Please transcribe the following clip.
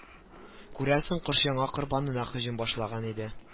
Күрәсең кош яңа корбанына һөҗүм башлаган иде